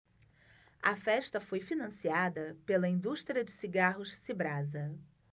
a festa foi financiada pela indústria de cigarros cibrasa